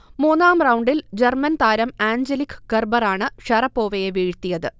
മൂന്നാം റൗണ്ടിൽ ജർമൻ താരം ആഞ്ചലിക് കെർബറാണ് ഷറപ്പോവയെ വീഴ്ത്തിയത്